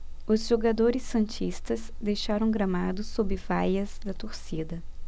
os jogadores santistas deixaram o gramado sob vaias da torcida